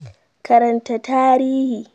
Karanta Tarihi